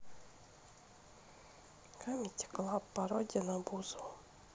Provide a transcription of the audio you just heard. камеди клаб пародия на бузову